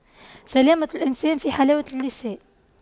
سلامة الإنسان في حلاوة اللسان